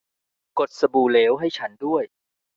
กดสบู่เหลวให้ฉันด้วย